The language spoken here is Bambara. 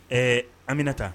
Ɛɛ Aminata